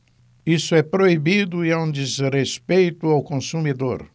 isso é proibido e é um desrespeito ao consumidor